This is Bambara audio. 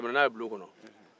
a donna n'a ye bulon kɔnɔ